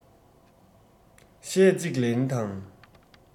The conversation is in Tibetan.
གཞས གཅིག ལེན དང